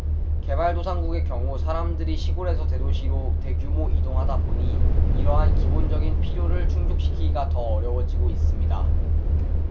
개발도상국의 경우 사람들이 시골에서 대도시로 대규모로 이동하다 보니 이러한 기본적인 필요를 충족시키기가 더 어려워지고 있습니다